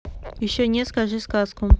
еще нет скажи сказку